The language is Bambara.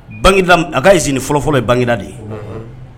A kai fɔlɔfɔlɔ ye bangeda de ye